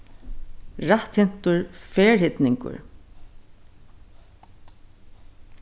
rætthyrntur ferhyrningur